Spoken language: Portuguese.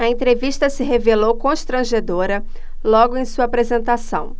a entrevista se revelou constrangedora logo em sua apresentação